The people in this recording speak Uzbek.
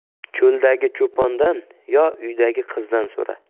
cho'ldagi cho'pondan yo uydagi qizdan so'ra